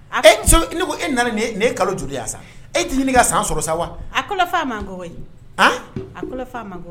ne ko e nana ni ni y'e kalo joli ye an sa e tɛ ɲini ka san sɔrɔ sa wa a kolofaa man go koyi an a kolofaa man go